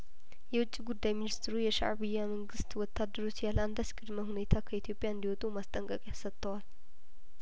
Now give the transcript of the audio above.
የውጭ ጉዳይሚኒስትሩ የሻእቢያ መንግስት ወታደሮች ያለአንዳች ቅድመ ሁኔታ ከኢትዮጵያ እንዲወጡ ማስጠንቀቂያ ሰጥተዋል